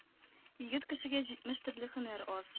Егет кешегә җитмеш төрле һөнәр аз.